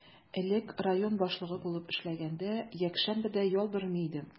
Элек район башлыгы булып эшләгәндә, якшәмбе дә ял бирми идем.